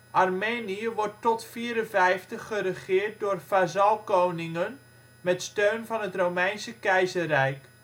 Armenië wordt tot 54 geregeerd door vazalkoningen met steun van het Romeinse Keizerrijk